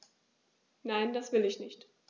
Nein, das will ich nicht.